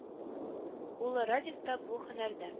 Улы Радик та бу һөнәрдә